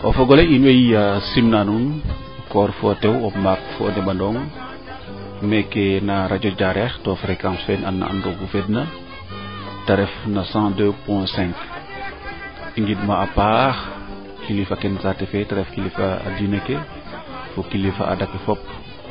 wala o fogole in way sim naa nuun o koor fo o tew o maak fo'o neɓanong meeke na radio Diarekh to frequence fee nu an na an roog fu feed na te ref no cent deux point cinq i ngind ma a paax kilife ka saaate fe te ref kilifa diine ke fo kilifa aada ke fop